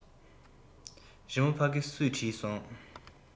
རི མོ ཕ གི སུས བྲིས སོང